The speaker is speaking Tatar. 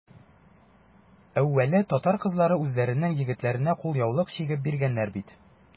Әүвәле татар кызлары үзләренең егетләренә кулъяулык чигеп биргәннәр бит.